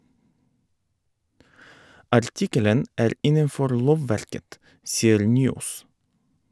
Artikkelen er innenfor lovverket, sier Nyaas.